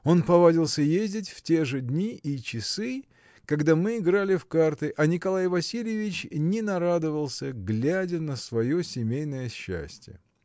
Он повадился ездить в те же дни и часы, когда мы играли в карты, а Николай Васильевич не нарадовался, глядя на свое семейное счастье.